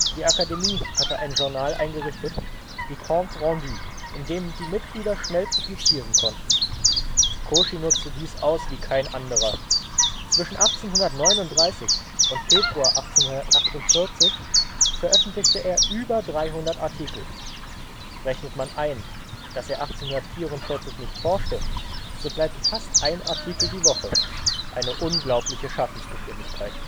Die Académie hatte ein Journal eingerichtet, die Comptes Rendus, in dem die Mitglieder schnell publizieren konnten. Cauchy nutzte dies aus wie kein anderer: zwischen 1839 und Februar 1848 veröffentlichte er über 300 Artikel. Rechnet man ein, dass er 1844 nicht forschte, so bleibt fast ein Artikel die Woche, eine unglaubliche Schaffensgeschwindigkeit